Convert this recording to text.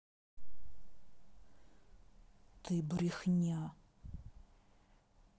ты брехня